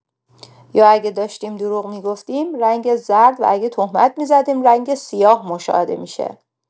و یا اگر داشتیم دروغ می‌گفتیم رنگ زرد و اگر تهمت می‌زدیم رنگ سیاه مشاهده می‌شد.